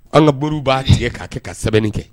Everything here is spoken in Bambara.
An kauru b'a tigɛ k'a kɛ ka sɛbɛnni kɛ